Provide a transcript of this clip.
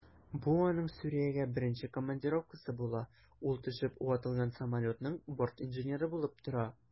Бу аның Сүриягә беренче командировкасы була, ул төшеп ватылган самолетның бортинженеры булып тора.